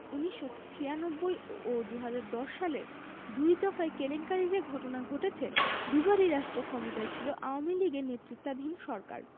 ১৯৯৬ ও ২০১০ সালের দুই দফায় কেলেঙ্কারির যে ঘটনা ঘটেছে দুবারই রাষ্ট্রক্ষমতায় ছিল আওয়ামী লীগের নেতৃত্বাধীন সরকার